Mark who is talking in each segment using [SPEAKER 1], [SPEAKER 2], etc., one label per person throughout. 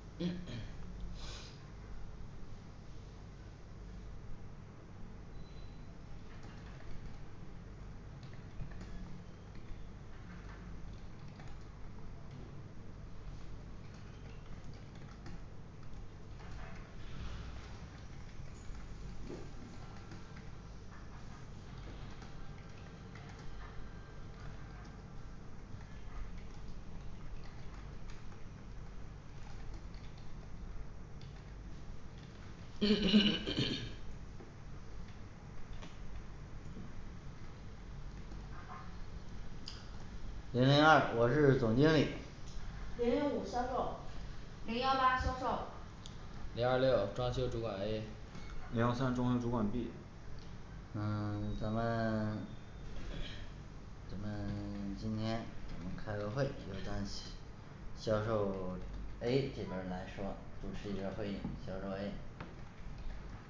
[SPEAKER 1] 零零二我是总经理
[SPEAKER 2] 零零五销售
[SPEAKER 3] 零幺八销售
[SPEAKER 4] 零二六装修主管A
[SPEAKER 5] 零幺三装修主管B
[SPEAKER 1] 嗯 咱们&& 咱们 今天咱们开个会就咱企 销售 A这边儿来说主持一下儿会议销售A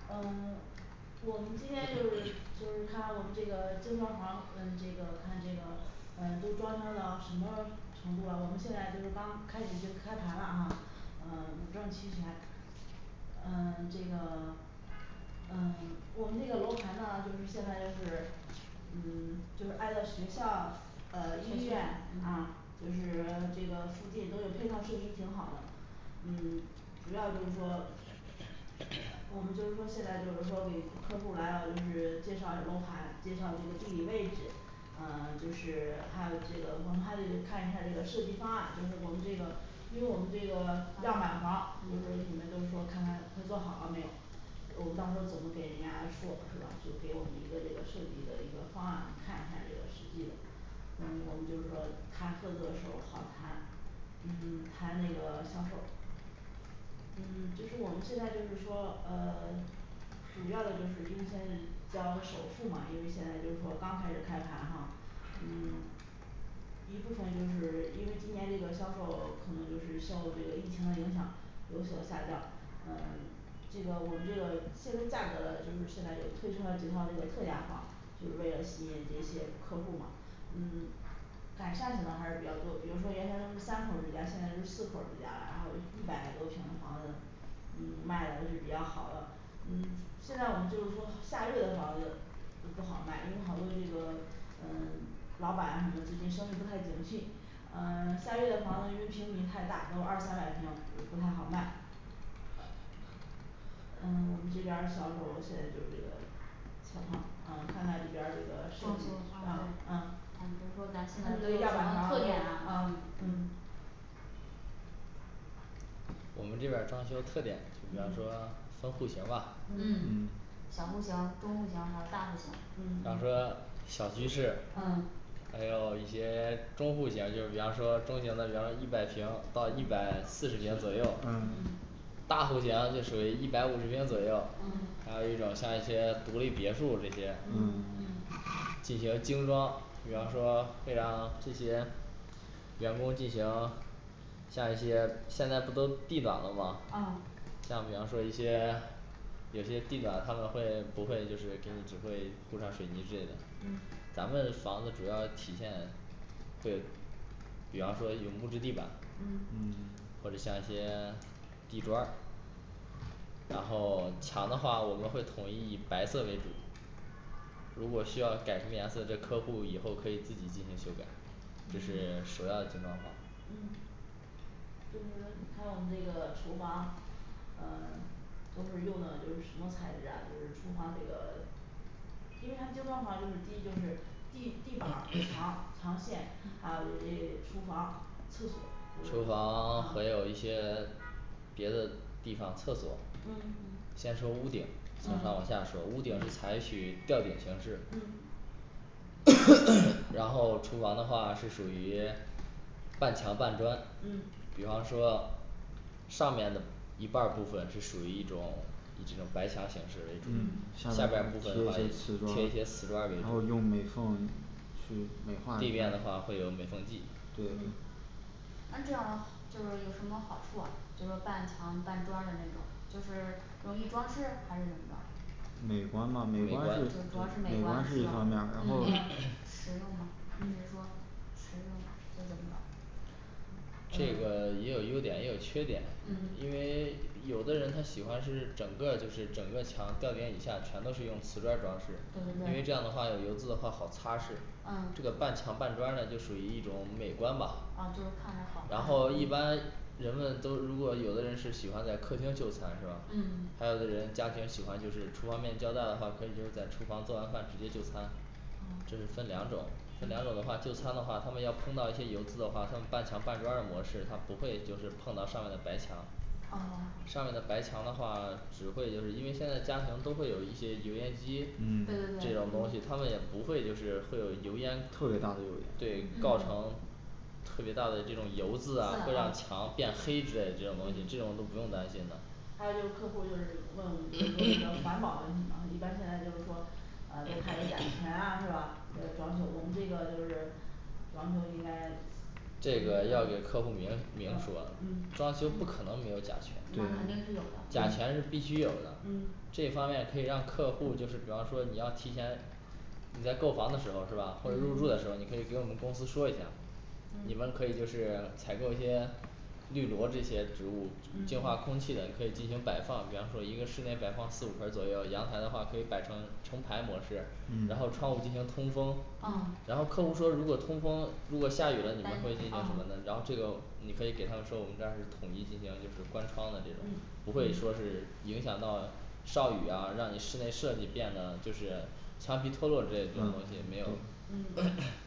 [SPEAKER 2] 嗯 我们今天就是 就是看我们这个精装房嗯这个看这个嗯就装修到什么程度啊我们现在就是刚开始已经开盘了啊嗯五证儿齐全嗯 这个嗯 我们这个楼盘呢就是现在就是嗯 就是挨到学校呃
[SPEAKER 3] 小
[SPEAKER 2] 医
[SPEAKER 3] 区
[SPEAKER 2] 院
[SPEAKER 3] 嗯
[SPEAKER 2] 啊就是这个附近都有配套设施挺好的嗯主要就是说 我们就是说现在就是说给客户儿来了就是介绍楼盘介绍这个地理位置嗯 就是还有这个我们还得看一下儿这个设计方案就是我们这个因为我们这个样板房就是你们都说看看快做好了没有呃我们到时候儿怎么给人家说是吧就给我们一个这个设计的一个方案我们看一下这个实际的嗯我们就是说谈合作的时候好谈嗯 谈那个销售嗯就是我们现在就是说呃 主要的就是因为先交首付嘛因为现在就是说刚开始开盘哈嗯 一部分就是因为今年这个销售可能就是受这个疫情的影响有所下降嗯 这个我们这个现在价格了就是现在又推出了几套这个特价房儿就是为了吸引这些客户儿嘛嗯改善型的还是比较多比如说原先都是三口儿之家现在就是四口儿之家了然后一百多平的房子嗯卖的是比较好了嗯现在我们就是说下月的房子呃不好卖因为好多这个嗯老板很多最近生意不太景气嗯 下月的房子因为平米太大有二三百平就不太好卖嗯我们这边儿销售现在就是这个情况嗯看看这边儿这个
[SPEAKER 3] 装
[SPEAKER 2] 数据
[SPEAKER 3] 修啊
[SPEAKER 2] 啊
[SPEAKER 3] 对
[SPEAKER 2] 嗯
[SPEAKER 3] 看就是说
[SPEAKER 2] 他们都有样板房
[SPEAKER 3] 咱
[SPEAKER 2] 儿
[SPEAKER 3] 特点呀
[SPEAKER 2] 都啊嗯
[SPEAKER 4] 我们这边儿装修特点比方说
[SPEAKER 2] 嗯
[SPEAKER 4] 装户型吧
[SPEAKER 2] 嗯
[SPEAKER 3] 嗯小户型中户型还有大户型
[SPEAKER 4] 比方说小居室
[SPEAKER 3] 嗯
[SPEAKER 2] 嗯
[SPEAKER 4] 还有一些中户型就比方说中型的比方说一百平到一
[SPEAKER 2] 嗯
[SPEAKER 4] 百四十平左右
[SPEAKER 5] 嗯
[SPEAKER 4] 大户型就属于一百五十平左右
[SPEAKER 3] 嗯
[SPEAKER 2] 嗯
[SPEAKER 4] 还有一种像一些独立别墅这些
[SPEAKER 2] 嗯嗯
[SPEAKER 4] 进行精装比方
[SPEAKER 3] 嗯
[SPEAKER 4] 说可以让这些员工进行像一些现在不都地暖了吗
[SPEAKER 2] 啊
[SPEAKER 4] 像比方说一些有些地暖他们会不会就是跟只会铺上水泥之类的
[SPEAKER 2] 嗯
[SPEAKER 4] 咱们房子主要体现对比方说一种布置地板
[SPEAKER 2] 嗯
[SPEAKER 3] 嗯
[SPEAKER 4] 或者像一些地砖儿然后墙的话我们会统一以白色为主如果需要改变啊或者客户以后可以自己进行修改这是首要的情况吧
[SPEAKER 2] 嗯就是还有我们这个厨房嗯都是用的就是什么牌子呀就是厨房这个因为它精装房就是第一就是地地板儿 墙墙线还有就是一厨房厕所 就是
[SPEAKER 4] 厨房 还有
[SPEAKER 2] 嗯
[SPEAKER 4] 一些别的地方厕所
[SPEAKER 2] 嗯
[SPEAKER 3] 嗯
[SPEAKER 4] 先说屋顶再往
[SPEAKER 2] 嗯
[SPEAKER 4] 下
[SPEAKER 3] 嗯
[SPEAKER 4] 说屋顶
[SPEAKER 2] 嗯
[SPEAKER 4] 采取吊顶形式 然后厨房的话是属于 半墙半砖
[SPEAKER 2] 嗯
[SPEAKER 4] 比方说上面的一半儿部分是属于一种以这种白墙形式为
[SPEAKER 2] 嗯
[SPEAKER 4] 主
[SPEAKER 5] 下
[SPEAKER 4] 下
[SPEAKER 5] 面
[SPEAKER 4] 半
[SPEAKER 5] 部
[SPEAKER 4] 部分的话
[SPEAKER 5] 分是贴
[SPEAKER 4] 贴
[SPEAKER 5] 一
[SPEAKER 4] 一
[SPEAKER 5] 些
[SPEAKER 4] 些
[SPEAKER 5] 瓷
[SPEAKER 4] 瓷
[SPEAKER 5] 砖
[SPEAKER 4] 砖儿
[SPEAKER 5] 儿
[SPEAKER 4] 为主
[SPEAKER 5] 然后用美缝去美化
[SPEAKER 4] 地面的话会有美缝剂
[SPEAKER 5] 对
[SPEAKER 2] 嗯
[SPEAKER 3] 那这样就是有什么好处啊就是半墙半砖儿的呢种就是容易装饰还是怎么着
[SPEAKER 5] 美观嘛美
[SPEAKER 4] 美
[SPEAKER 5] 观
[SPEAKER 3] 就主要
[SPEAKER 4] 观
[SPEAKER 3] 是
[SPEAKER 5] 美
[SPEAKER 3] 美
[SPEAKER 5] 观
[SPEAKER 3] 观
[SPEAKER 5] 是
[SPEAKER 3] 是
[SPEAKER 5] 一
[SPEAKER 3] 吧
[SPEAKER 5] 方面儿然后
[SPEAKER 2] 嗯
[SPEAKER 3] 实用嘛就是说
[SPEAKER 2] 嗯
[SPEAKER 3] 实用就这么着
[SPEAKER 4] 这
[SPEAKER 3] 嗯
[SPEAKER 4] 个也有优点也有缺点
[SPEAKER 3] 嗯
[SPEAKER 2] 嗯
[SPEAKER 4] 因为有的人他喜欢是整个儿就是整个墙吊顶以下全都是用瓷砖儿装饰
[SPEAKER 3] 对对
[SPEAKER 4] 因为这
[SPEAKER 3] 对
[SPEAKER 4] 样的话有油渍的话好擦拭这
[SPEAKER 3] 嗯
[SPEAKER 4] 个半墙板砖呢就属于一种美观吧
[SPEAKER 3] 就看着好看
[SPEAKER 4] 然后一
[SPEAKER 3] 嗯
[SPEAKER 4] 般人们都如果有的人是喜欢在客厅就餐是吧
[SPEAKER 2] 嗯
[SPEAKER 4] 还有的人家庭喜欢就是厨房面积较大的话可以就是在厨房做完饭直接就餐
[SPEAKER 2] 嗯
[SPEAKER 4] 这是分两种两种的
[SPEAKER 2] 嗯
[SPEAKER 4] 话就餐的话他们要喷到一些油渍的话他们半墙半砖儿的模式他们不会就是碰到上面的白墙
[SPEAKER 3] 哦
[SPEAKER 4] 上面的白墙的话只会就是因为现在家庭都会有一些油烟机
[SPEAKER 3] 对对
[SPEAKER 5] 嗯
[SPEAKER 4] 这种
[SPEAKER 3] 对
[SPEAKER 4] 东西他们也不会就是会有油烟
[SPEAKER 5] 蹭上去
[SPEAKER 4] 对
[SPEAKER 3] 嗯
[SPEAKER 4] 造成
[SPEAKER 3] 嗯
[SPEAKER 4] 特别大的这种油渍
[SPEAKER 2] 对
[SPEAKER 4] 啊会让
[SPEAKER 2] 啊
[SPEAKER 4] 墙变黑之类的这种东西这
[SPEAKER 2] 嗯
[SPEAKER 4] 种就不用担心的
[SPEAKER 2] 还有就是客户儿就是问就是问这个环 保问题嘛一般现在就是说啊就怕有甲醛啊是吧这个装修我们这个就是装修应该
[SPEAKER 4] 这
[SPEAKER 2] 嗯
[SPEAKER 4] 个要给
[SPEAKER 2] 呃
[SPEAKER 4] 客户明
[SPEAKER 2] 呃
[SPEAKER 4] 明说
[SPEAKER 2] 嗯
[SPEAKER 4] 装修不可
[SPEAKER 3] 嗯
[SPEAKER 4] 能没有甲醛
[SPEAKER 2] 那肯定是有的
[SPEAKER 4] 甲
[SPEAKER 2] 嗯
[SPEAKER 4] 醛是必须有的
[SPEAKER 2] 嗯
[SPEAKER 4] 这方面可以让客户就是比方说你要提前你在购房的时候是吧在入住的时候
[SPEAKER 3] 嗯
[SPEAKER 2] 嗯
[SPEAKER 4] 你可以给我们公司说一下你们
[SPEAKER 2] 嗯
[SPEAKER 4] 可以就是采购一些绿萝这些植物净化
[SPEAKER 3] 嗯
[SPEAKER 4] 空气的可以进行摆放比方说一个室内摆放四五盆儿左右阳台的话可以摆成成排的模式然后
[SPEAKER 5] 嗯
[SPEAKER 4] 窗户进行通风
[SPEAKER 3] 嗯
[SPEAKER 4] 然后客户说如果通风如果下雨了你们
[SPEAKER 3] 担
[SPEAKER 4] 会进行
[SPEAKER 3] 心
[SPEAKER 4] 什么
[SPEAKER 3] 嗯
[SPEAKER 4] 呢然后这个你可以给他们说我们家是统一进行的这个关窗的这种
[SPEAKER 3] 嗯
[SPEAKER 4] 不会说
[SPEAKER 3] 嗯
[SPEAKER 4] 是影响到潲雨啊让你室内设计变的就是墙皮脱落之类
[SPEAKER 5] 呃对
[SPEAKER 4] 的这种东西也没有
[SPEAKER 2] 嗯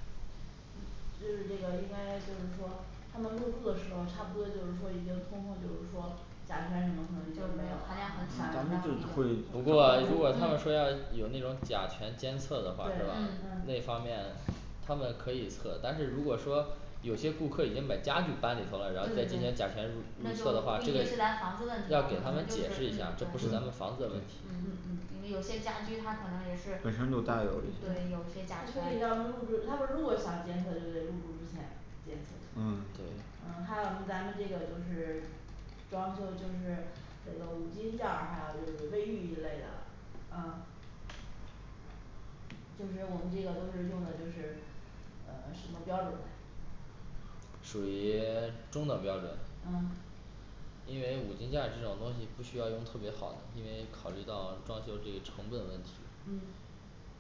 [SPEAKER 2] 嗯就是这个应该就是说他们入住的时候差不多就是说已经通风就是说甲醛什么可能就
[SPEAKER 3] 就
[SPEAKER 2] 没
[SPEAKER 3] 是
[SPEAKER 2] 有
[SPEAKER 3] 含量很少然后比
[SPEAKER 4] 不
[SPEAKER 3] 较
[SPEAKER 4] 过
[SPEAKER 3] 嗯
[SPEAKER 4] 啊如果他们说要有那种甲醛监测的话是
[SPEAKER 2] 对
[SPEAKER 4] 吧
[SPEAKER 2] 嗯
[SPEAKER 4] 那
[SPEAKER 3] 嗯
[SPEAKER 4] 方面他们可以测但是如果说有些顾客已经买家具搬里头了
[SPEAKER 3] 对对对那就不一定
[SPEAKER 4] 然后再进行甲醛入入测的话这个
[SPEAKER 3] 是咱房子问
[SPEAKER 4] 要
[SPEAKER 3] 题
[SPEAKER 4] 给
[SPEAKER 3] 可
[SPEAKER 4] 他们
[SPEAKER 3] 能就
[SPEAKER 4] 解释
[SPEAKER 3] 是嗯
[SPEAKER 4] 一下这不是咱们房子的
[SPEAKER 3] 对
[SPEAKER 4] 问题
[SPEAKER 2] 嗯
[SPEAKER 3] 嗯因
[SPEAKER 2] 嗯
[SPEAKER 3] 为有些家具它可能也是
[SPEAKER 5] 本身就带有一些
[SPEAKER 3] 对有些甲
[SPEAKER 2] 他可
[SPEAKER 3] 醛
[SPEAKER 2] 以让他们入住他们如果想检测就在入住之前检测
[SPEAKER 4] 嗯
[SPEAKER 2] 嗯
[SPEAKER 4] 对
[SPEAKER 2] 还有咱们这个就是装修就是这个五金件儿还有就是卫浴一类的嗯就是我们这个都是用的就是呃什么标准儿
[SPEAKER 4] 属于中等标准
[SPEAKER 2] 嗯
[SPEAKER 4] 因为五金件儿这种东西不需要用特别好的因为考虑到装修这成本问题
[SPEAKER 2] 嗯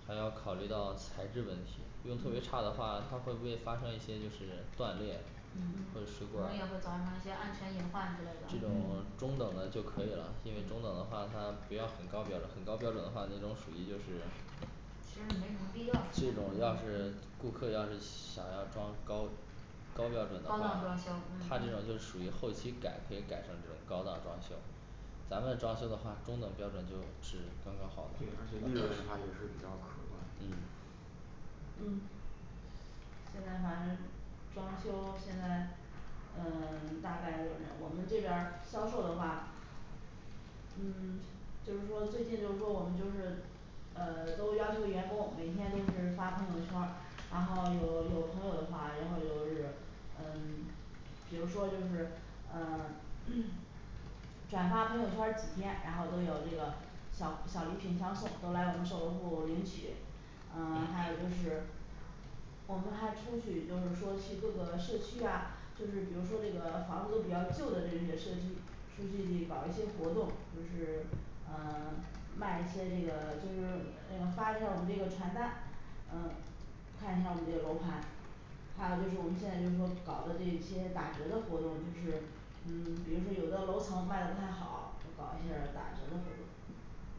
[SPEAKER 4] 还要考虑到材质问题用特别差的
[SPEAKER 2] 嗯
[SPEAKER 4] 话它会不会发生一些就是断裂
[SPEAKER 3] 嗯可
[SPEAKER 4] 会
[SPEAKER 2] 嗯
[SPEAKER 4] 事故
[SPEAKER 3] 能也会找上一些安全隐患之类
[SPEAKER 4] 这
[SPEAKER 3] 的嗯
[SPEAKER 4] 种
[SPEAKER 2] 嗯嗯
[SPEAKER 4] 中等的就可以了因为中等
[SPEAKER 3] 嗯
[SPEAKER 4] 的话它不要很高标准很高标准的话那种属于就是
[SPEAKER 3] 其实没什么必要是
[SPEAKER 4] 这种要
[SPEAKER 3] 吗
[SPEAKER 4] 是
[SPEAKER 3] 嗯嗯
[SPEAKER 4] 顾客要是想要装高高标准的话他这种就是属于后期改可以改成这种高档装修咱们装修的话中等标准就是刚刚好
[SPEAKER 5] 对而
[SPEAKER 4] 的
[SPEAKER 5] 且利润的话也是比较可观的
[SPEAKER 2] 嗯现在反正装修现在嗯 大概就这我们这边儿销售的话嗯 就是说最近就是说我们就是呃 都是要求员工每天都是发朋友圈儿然后有有朋友的话然后就是嗯比如说就是呃 转发朋友圈儿几天然后都有这个小小礼品相送都来我们售楼部领取嗯 还有就是我们还出去就是说去各个社区啊就是比如说这个房屋比较旧的这些社区出去搞一些活动就是嗯 卖一些这个就是那个发一下我们这个传单嗯看一下我们这个楼盘还有就是我们现在就是说搞的这一些打折的活动就是嗯比如说有的楼层卖的不太好就搞一下儿打折的活动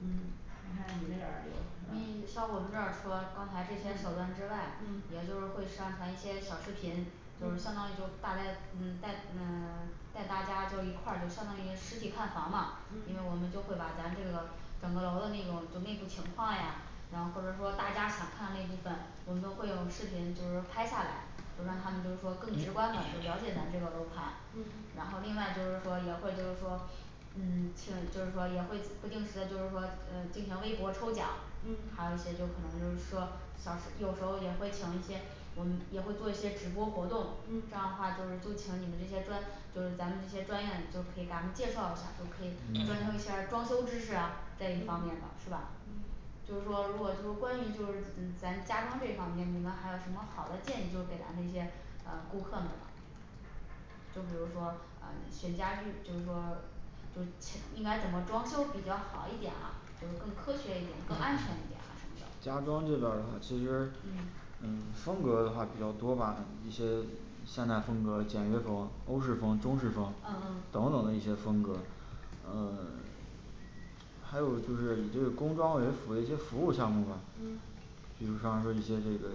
[SPEAKER 2] 嗯你看你那边儿有嗯
[SPEAKER 3] 你像我们这儿除了刚才这些手
[SPEAKER 2] 嗯
[SPEAKER 3] 段之外
[SPEAKER 2] 嗯
[SPEAKER 3] 也就是会上传一些小视频就相
[SPEAKER 2] 嗯
[SPEAKER 3] 当于就大概嗯带嗯 带大家之后一块就相当于实体看房嘛因为我
[SPEAKER 2] 嗯
[SPEAKER 3] 们就各把咱这个整个楼的那种就内部情况呀然后或者说大家想看的那部分我们都会用视频就是拍下来就让他们就是
[SPEAKER 2] 嗯
[SPEAKER 3] 说更直观的& &就了解咱这个楼盘
[SPEAKER 2] 嗯
[SPEAKER 3] 然后另外就是说也会就是说嗯 请就是说也会不定时的就是说嗯进行微博抽奖还有
[SPEAKER 2] 嗯
[SPEAKER 3] 一些就可能就是说小时有时候也会请一些我们也会做一些直播活动这样的
[SPEAKER 2] 嗯
[SPEAKER 3] 话就是就请你们这些专就是咱们这些专员就可以给俺们介绍一下就可以& &装修一下儿装修知识啊这一方面啊
[SPEAKER 2] 嗯
[SPEAKER 3] 的是吧
[SPEAKER 2] 嗯
[SPEAKER 3] 就是说如果就是关于就是嗯咱家装这方面你们还有什么好的建议就给咱这些嗯顾客们了就比如说嗯选家具就是说就请应该怎么装修比较好一点啊就更科学一点更安全 一点啊什么的
[SPEAKER 5] 家装这个其实
[SPEAKER 3] 嗯
[SPEAKER 5] 嗯风格的话比较多吧一些现代风格简约风欧式风中式风
[SPEAKER 3] 嗯
[SPEAKER 5] 等
[SPEAKER 3] 嗯
[SPEAKER 5] 等的一些风格嗯 还有就是一个工装为辅的一些服务项目嘛
[SPEAKER 3] 嗯
[SPEAKER 5] 比如装那些这个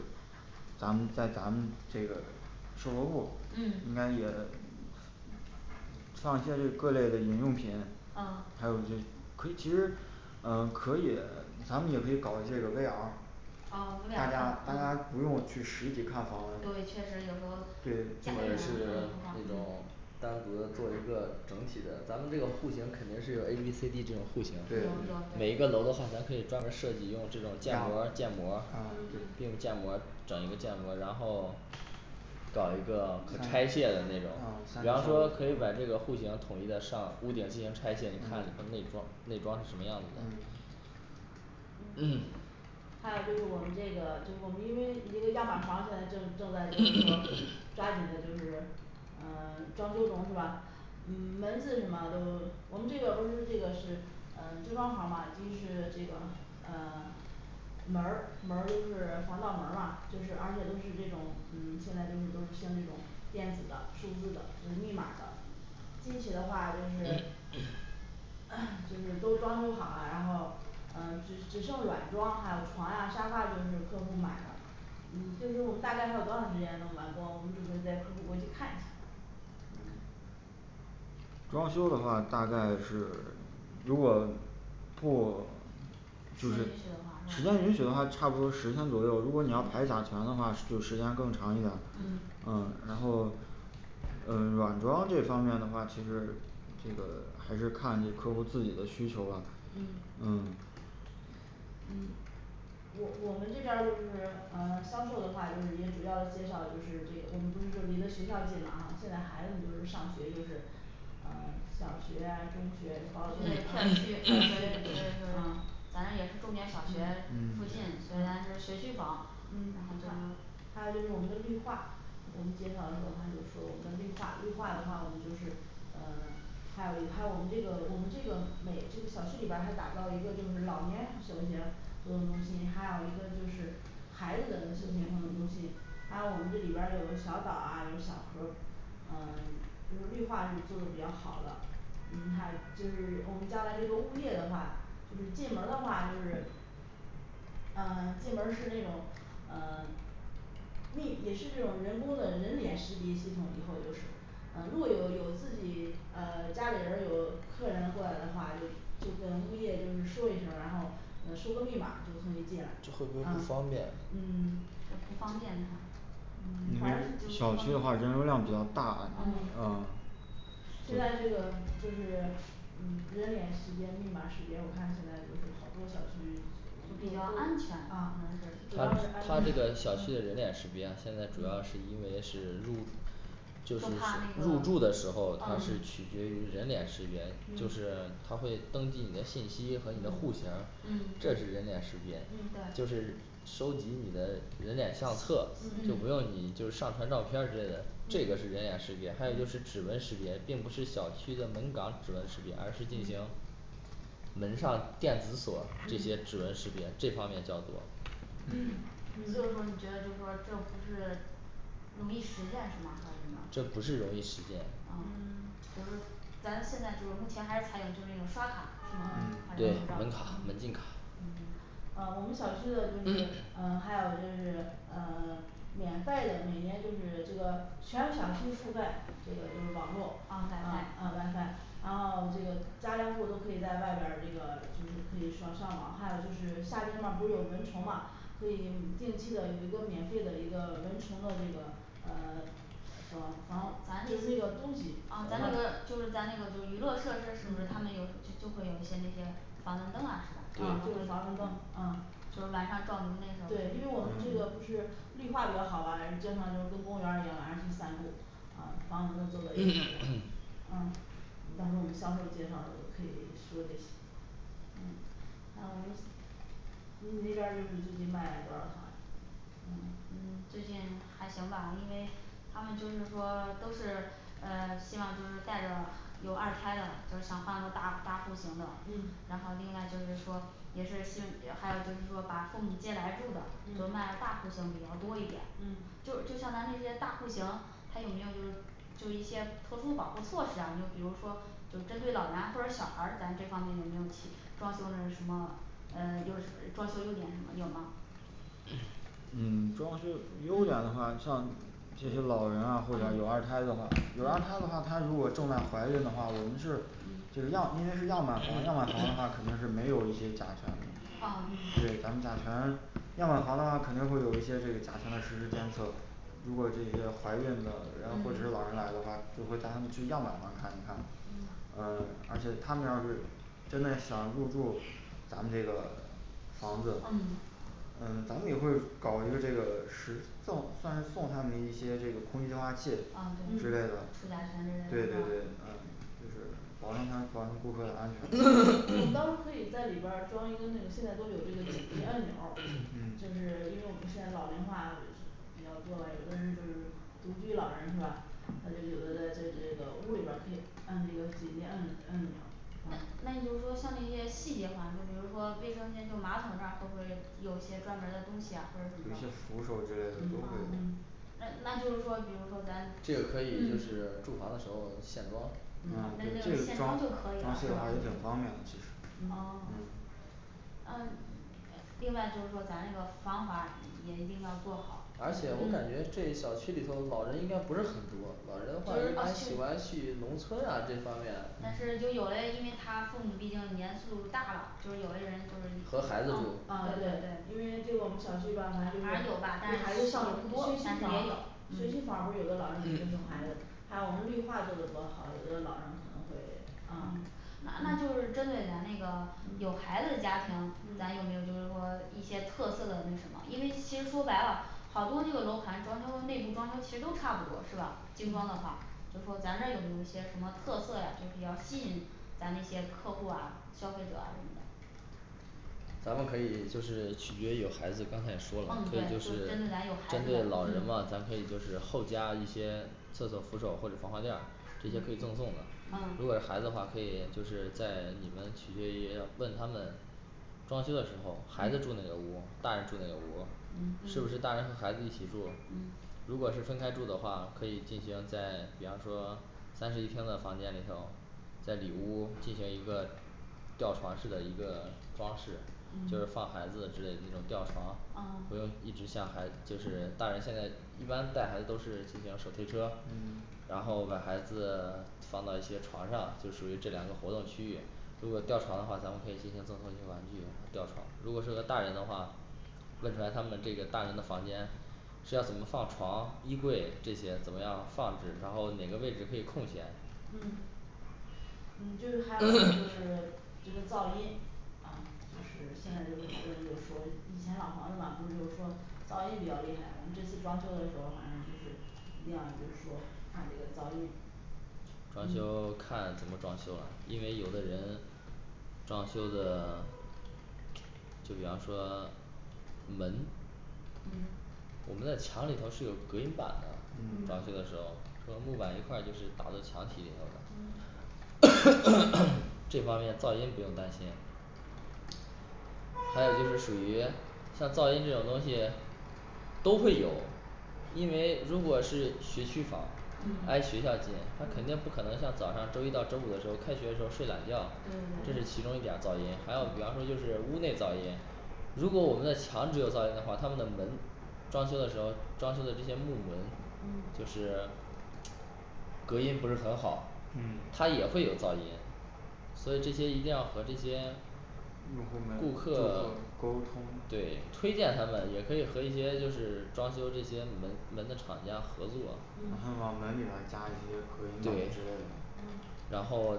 [SPEAKER 5] 咱们在咱们这个售楼部儿应
[SPEAKER 3] 嗯
[SPEAKER 5] 该也上一些这个各类的饮用品
[SPEAKER 3] 嗯
[SPEAKER 5] 还有一些可其实呃可以咱们也可以搞这个V R
[SPEAKER 3] 啊V
[SPEAKER 5] 让
[SPEAKER 3] R
[SPEAKER 5] 他
[SPEAKER 3] 上
[SPEAKER 5] 让他
[SPEAKER 3] 嗯对
[SPEAKER 5] 不用去实体看房子
[SPEAKER 3] 确实有
[SPEAKER 5] 对
[SPEAKER 3] 时
[SPEAKER 5] 特
[SPEAKER 3] 候
[SPEAKER 5] 别是
[SPEAKER 3] 家有不
[SPEAKER 5] 那
[SPEAKER 3] 方
[SPEAKER 5] 种
[SPEAKER 3] 嗯
[SPEAKER 5] 那比如做一个整体的咱们这个户型肯定是有A B C D这种户型啊
[SPEAKER 3] 有有
[SPEAKER 5] 对
[SPEAKER 4] 对每一
[SPEAKER 3] 对
[SPEAKER 4] 个楼的话咱可以专门儿设计用这种建模儿
[SPEAKER 5] 建
[SPEAKER 4] 建
[SPEAKER 5] 模
[SPEAKER 4] 模儿
[SPEAKER 5] 儿
[SPEAKER 3] 嗯
[SPEAKER 4] 并
[SPEAKER 3] 嗯
[SPEAKER 4] 建模整一个建模然后搞一个可拆卸的那种比方
[SPEAKER 5] 啊
[SPEAKER 4] 说可以把这个户型统一的上屋顶进行拆卸你看你的
[SPEAKER 5] 嗯
[SPEAKER 4] 内装内装什么样子的
[SPEAKER 5] 嗯
[SPEAKER 3] 嗯
[SPEAKER 2] 还有就是我们这个就是我们因为一个样板房现在正正在& &这个说抓紧的就是嗯 装修中是吧嗯门子什么都我们这个不是这个是呃精装房嘛必须是这个嗯 门儿门儿都是防盗门儿嘛就是而且都是这种嗯现在就是都是像这种电子的数字的就是密码儿的进去的话就是 就是都装修好了然后嗯只只剩软装还有床呀沙发呀就是客户买的嗯就是我们大概还有多长时间能完工我们准备带客户回去看一下
[SPEAKER 4] 嗯
[SPEAKER 5] 装修的话大概是如果过对对时
[SPEAKER 3] 时
[SPEAKER 5] 间
[SPEAKER 3] 间允许的话是吧
[SPEAKER 5] 允许的话差不多十天左右如果你要排查
[SPEAKER 3] 嗯
[SPEAKER 5] 团的话就时间就更长一点儿
[SPEAKER 3] 嗯
[SPEAKER 2] 嗯
[SPEAKER 5] 嗯然后嗯软装这方面的话其实这个还是看这客户儿自己的需求了
[SPEAKER 2] 嗯
[SPEAKER 5] 嗯
[SPEAKER 2] 嗯我我们这边儿就是嗯销售的话就是也主要介绍就是这个我们不是就离得学校近嘛啊现在孩子们就是上学就是嗯小学中学高
[SPEAKER 3] 现在
[SPEAKER 2] 中
[SPEAKER 3] 片区& &所以所以说
[SPEAKER 2] 嗯
[SPEAKER 3] 咱也是重点小学
[SPEAKER 2] 嗯
[SPEAKER 3] 附近所以咱这学区房然后
[SPEAKER 2] 嗯
[SPEAKER 3] 就
[SPEAKER 2] 还有就是我们的绿化我们介绍的时候他就说我们的绿化绿化的话我们就是嗯 还有还有我们这个我们这个每这个小区里边儿还打造一个就是老年休闲活动中心还有一个就是孩子的休闲活动中心还有我们这里边儿有小岛儿啊有小河儿嗯 就是绿化是做的比较好了嗯还有就是我们将来这个物业的话就是进门儿的话就是嗯 进门儿是那种嗯 你也是这种人工的人脸识别系统以后就是嗯如果有有自己嗯家里人儿有客人过来的话就就跟物业就是说一声儿然后嗯输个密码儿就可以进来
[SPEAKER 5] 就会不会不方便啊
[SPEAKER 2] 啊嗯
[SPEAKER 4] 这不方便是嘛
[SPEAKER 2] 嗯反
[SPEAKER 5] 小
[SPEAKER 2] 正
[SPEAKER 5] 区的
[SPEAKER 2] 就嗯
[SPEAKER 5] 话人流量比较大嗯
[SPEAKER 3] 嗯
[SPEAKER 2] 现在这个就是嗯人脸识别密码识别我看现在就是好多小区
[SPEAKER 3] 就
[SPEAKER 2] 都啊
[SPEAKER 3] 比
[SPEAKER 2] 主要
[SPEAKER 3] 较
[SPEAKER 2] 是安
[SPEAKER 3] 安
[SPEAKER 2] 全
[SPEAKER 3] 全
[SPEAKER 2] 嗯
[SPEAKER 3] 反正是
[SPEAKER 4] 它它这个小区的人脸识别现在主要是因
[SPEAKER 2] 嗯
[SPEAKER 4] 为是入
[SPEAKER 5] 就
[SPEAKER 3] 就
[SPEAKER 5] 是
[SPEAKER 3] 怕那个
[SPEAKER 5] 入
[SPEAKER 3] 嗯
[SPEAKER 5] 住的时候它是取决于人脸识别就是
[SPEAKER 3] 嗯
[SPEAKER 5] 它会登记你的信息
[SPEAKER 3] 嗯
[SPEAKER 5] 和你的户型儿
[SPEAKER 3] 嗯
[SPEAKER 5] 这是人脸识别就
[SPEAKER 3] 嗯对
[SPEAKER 5] 是
[SPEAKER 4] 收集你的人脸相册就不用你
[SPEAKER 3] 嗯
[SPEAKER 4] 就是上传照片儿之类的这个是人脸
[SPEAKER 3] 嗯
[SPEAKER 4] 识别还有就是指
[SPEAKER 3] 嗯
[SPEAKER 4] 纹识别并不是小区的门岗指纹识别而是进行
[SPEAKER 3] 嗯
[SPEAKER 4] 门上电子锁这些
[SPEAKER 3] 嗯
[SPEAKER 4] 指纹识别这方面较多
[SPEAKER 3] 就是说你
[SPEAKER 2] 嗯
[SPEAKER 3] 觉得就说这不是容易实现是吗还是怎么着
[SPEAKER 4] 这不是容易实现
[SPEAKER 3] 嗯
[SPEAKER 2] 嗯
[SPEAKER 3] 就说咱们现在就是目前还是采用就那种刷卡嗯
[SPEAKER 2] 呃
[SPEAKER 3] 还是
[SPEAKER 4] 对门卡
[SPEAKER 3] 怎么
[SPEAKER 4] 门禁
[SPEAKER 3] 着
[SPEAKER 4] 卡
[SPEAKER 3] 嗯
[SPEAKER 2] 嗯啊我们小区的就是 嗯还有就是呃 免费的每年就是这个全部小区覆盖这个就是网络嗯
[SPEAKER 3] 啊 wifi
[SPEAKER 2] wifi 然后这个家家户户都可以在外边儿这个就是可以说上网还有就是夏天嘛不是有蚊虫嘛可以定期的有一个免费的一个蚊虫的这个呃防
[SPEAKER 3] 咱那嗯
[SPEAKER 2] 防就
[SPEAKER 3] 咱
[SPEAKER 2] 是那个东西
[SPEAKER 3] 那个就是咱那个就是娱乐设施是不是他们有
[SPEAKER 2] 嗯
[SPEAKER 3] 就就会有一些那些防蚊灯啊是吧
[SPEAKER 2] 嗯就是防蚊灯嗯
[SPEAKER 3] 就就是晚上照明那种
[SPEAKER 2] 对因为我们这个不是绿化比较好吧人经常就跟公园儿一样晚上去散步嗯防蚊子做的& &一些嗯嗯到时候儿我们销售介绍时候儿就可以说这些嗯还有我们你你这边儿就是最近卖了多少套呀嗯
[SPEAKER 3] 嗯最近还行吧因为他们就是说都是嗯希望就是带着有二胎的就是想换个大大户型的
[SPEAKER 2] 嗯
[SPEAKER 3] 然后另外就是说也是新也还有就是说把父母接来住的就是卖的
[SPEAKER 2] 嗯
[SPEAKER 3] 大户型比较多一点
[SPEAKER 2] 嗯
[SPEAKER 3] 就就像咱那些大户型它有没有就是就一些特殊保护措施啊你就比如说就针对老人啊或者小孩儿咱这方面有没有起装修的什么呃有呃装修优点什么有吗
[SPEAKER 5] 嗯 装修优点儿的
[SPEAKER 3] 嗯
[SPEAKER 5] 话像这些老人啊或者有二
[SPEAKER 3] 嗯
[SPEAKER 5] 胎的话有二胎的话她如果正在怀孕的话我们是
[SPEAKER 3] 嗯
[SPEAKER 5] 只样因为是样板房& &样板房的的话肯定是没有一些甲醛
[SPEAKER 3] 啊
[SPEAKER 5] 对咱
[SPEAKER 3] 嗯
[SPEAKER 5] 们甲醛样板房的话肯定会有一些这个甲醛实时监测如果这些怀孕的然后或者老
[SPEAKER 3] 嗯
[SPEAKER 5] 人来的话就会带他们去样板房看一看
[SPEAKER 3] 嗯
[SPEAKER 5] 嗯而且他们要是真的想要入住咱们这个房子
[SPEAKER 3] 嗯
[SPEAKER 5] 嗯咱们也可以搞一个这个是送算是送他们一些这空净化器
[SPEAKER 3] 啊
[SPEAKER 5] 之
[SPEAKER 3] 对
[SPEAKER 5] 类的
[SPEAKER 2] 嗯
[SPEAKER 3] 除甲醛之
[SPEAKER 5] 对
[SPEAKER 3] 类的是
[SPEAKER 5] 对对
[SPEAKER 3] 吧
[SPEAKER 5] 嗯就是保安安保证顾客安全& &
[SPEAKER 2] 我们当时可以在里边儿装一个那个现在都有这个紧急按钮儿
[SPEAKER 5] 嗯
[SPEAKER 2] 就是因为我们现在老龄化是比较多吧有的人就是独居老人是吧他就有的在在这个屋里边儿可以摁这个紧急摁摁钮儿
[SPEAKER 3] 那你那你就说像那些细节化就比如说卫生间就马桶那儿会不会有一些专门儿的东西呀或者什
[SPEAKER 5] 有一
[SPEAKER 3] 么怎么
[SPEAKER 5] 些
[SPEAKER 3] 着
[SPEAKER 5] 扶手之类的如果
[SPEAKER 2] 嗯嗯嗯
[SPEAKER 3] 那那就说比如说咱
[SPEAKER 4] 这
[SPEAKER 3] 嗯
[SPEAKER 4] 个可以就是住房的时候现装
[SPEAKER 3] 那那
[SPEAKER 4] 嗯
[SPEAKER 3] 现装就
[SPEAKER 5] 嗯现装装
[SPEAKER 3] 可以了
[SPEAKER 5] 修
[SPEAKER 3] 是
[SPEAKER 5] 就很方
[SPEAKER 3] 吧
[SPEAKER 5] 便的其实
[SPEAKER 2] 嗯
[SPEAKER 3] 哦
[SPEAKER 2] 嗯
[SPEAKER 3] 嗯呃另外就说咱这个防滑也一定要做好
[SPEAKER 4] 而且我感
[SPEAKER 3] 嗯
[SPEAKER 4] 觉这小区里头老人应该不是很多老人
[SPEAKER 3] 嗯
[SPEAKER 4] 反正
[SPEAKER 3] 就
[SPEAKER 4] 现在喜
[SPEAKER 3] 是而
[SPEAKER 4] 欢
[SPEAKER 3] 去
[SPEAKER 4] 去农村啊这方面
[SPEAKER 3] 但是就有嘞因为他父母毕竟年数大了就有的人就
[SPEAKER 4] 和
[SPEAKER 3] 是
[SPEAKER 4] 孩子住
[SPEAKER 3] 嗯
[SPEAKER 2] 啊
[SPEAKER 3] 对
[SPEAKER 2] 对
[SPEAKER 3] 对
[SPEAKER 2] 因为就我们小区吧反正就是
[SPEAKER 3] 还是有吧但是
[SPEAKER 2] 也孩
[SPEAKER 3] 也
[SPEAKER 2] 子
[SPEAKER 3] 不
[SPEAKER 2] 上的
[SPEAKER 3] 多
[SPEAKER 2] 学区
[SPEAKER 3] 但是
[SPEAKER 2] 房
[SPEAKER 3] 也有
[SPEAKER 2] 学区房
[SPEAKER 3] 嗯
[SPEAKER 2] 儿不是有的老人给接送孩子还有我们绿化做得多好有的老人可能会嗯
[SPEAKER 3] 嗯那那就是针对咱那个有
[SPEAKER 2] 嗯
[SPEAKER 3] 孩子的家庭咱有没有就
[SPEAKER 2] 嗯
[SPEAKER 3] 是说一些特色的那什么因为其实说白了好多那个楼盘装修内部装修其实都差不多是吧精装的话就说咱这儿有没有一些什么特色呀就比较吸引咱那些客户啊消费者啊什么的
[SPEAKER 4] 咱们可以就是取决于有孩子刚才也说了
[SPEAKER 3] 嗯对就
[SPEAKER 4] 就是
[SPEAKER 3] 是针对咱有孩
[SPEAKER 4] 针对老人嘛
[SPEAKER 3] 子的嗯
[SPEAKER 4] 咱可以就是后加一些厕所扶手或者防滑垫儿这些可以赠送的如果是孩子的
[SPEAKER 3] 嗯
[SPEAKER 4] 话可以就是在你们取决于问他们装修的时候孩子住哪个
[SPEAKER 3] 嗯
[SPEAKER 4] 屋儿大人住哪个屋
[SPEAKER 2] 嗯
[SPEAKER 4] 是不是大
[SPEAKER 2] 嗯
[SPEAKER 4] 人和孩子一起住
[SPEAKER 2] 嗯
[SPEAKER 4] 如果是分开住的话可以进行在比方说三室一厅的房间里头在里屋儿进行一个吊床式的一个装饰就是
[SPEAKER 2] 嗯
[SPEAKER 4] 放孩子之类的那种吊床不要一
[SPEAKER 2] 啊
[SPEAKER 4] 直向孩子就是大人现在一般带孩子都是那种手推车
[SPEAKER 5] 嗯
[SPEAKER 4] 然后把孩子放到一些床上就属于这两个活动区域如果吊床的话咱们可以进行赠送一个玩具吊床如果是个大人的话问出来他们的这个大人的房间是要怎么放床衣柜这些怎么样放置然后哪个位置可以空闲
[SPEAKER 2] 嗯嗯就是还有就是 这个噪音嗯就是现在就是好多人就是说以前老房子嘛不是就是说噪音比较厉害我们这次装修的时候反正就是一定要就是说看这个噪音
[SPEAKER 4] 装修
[SPEAKER 3] 嗯
[SPEAKER 4] 看怎么装修了因为有的人装修的 就比方说 门
[SPEAKER 3] 嗯
[SPEAKER 2] 嗯
[SPEAKER 4] 我们那墙里头是有隔音板的装修的时候
[SPEAKER 3] 嗯
[SPEAKER 4] 和木板一块儿就是打到墙体里头 这方面噪音不用担心还有就是属于像噪音这种东西都会有
[SPEAKER 5] 因为如果是学区房挨
[SPEAKER 3] 嗯
[SPEAKER 5] 学校近他肯定不
[SPEAKER 3] 嗯
[SPEAKER 5] 可能像早上周一到周五的时候开学时候睡懒觉
[SPEAKER 3] 对
[SPEAKER 5] 这
[SPEAKER 3] 对
[SPEAKER 5] 是
[SPEAKER 3] 对
[SPEAKER 5] 其中一点儿噪音还有比方说就是屋内噪音如果我们的墙纸有噪音的话他们的门儿
[SPEAKER 4] 装修的时候装修的这些木门就
[SPEAKER 3] 嗯
[SPEAKER 4] 是隔音不是很好它
[SPEAKER 5] 嗯
[SPEAKER 4] 也会有噪音所以这些一定要和这些顾客
[SPEAKER 5] 沟通咱就
[SPEAKER 4] 对推荐他们也可以和一些就是装修这些门门的厂家合作对
[SPEAKER 5] 把门给他加一些隔音之类的
[SPEAKER 3] 嗯
[SPEAKER 4] 然后